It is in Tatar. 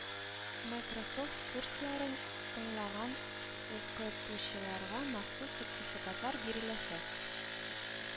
Майкрософт курсларын тыңлаган укы ту чыларга махсус сертификатлар биреләчәк